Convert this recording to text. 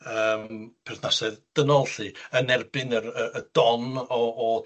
Yym perthnasedd dynol 'lly yn erbyn yr y y don o o